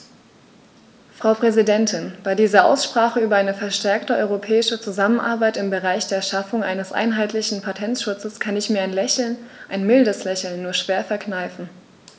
Frau Präsidentin, bei dieser Aussprache über eine verstärkte europäische Zusammenarbeit im Bereich der Schaffung eines einheitlichen Patentschutzes kann ich mir ein Lächeln - ein mildes Lächeln - nur schwer verkneifen.